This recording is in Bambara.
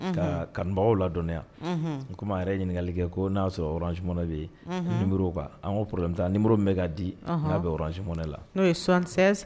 Unhun, Ka kanubagaw ladɔnya, unhun, comme a yɛrɛ ɲininkalikɛ ko n'a sɔrɔ orange money bɛ yen, unhun, n'o numero b'a la an ko ko problème t'a la numéro min bɛ ka di n'a bi orange money la ,ɔnhɔn, n'o ye 76